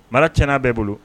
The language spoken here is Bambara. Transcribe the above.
Mara tiɲɛna bɛɛ bolo